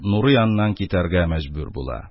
Нурый аннан китәргә мәҗбүр була.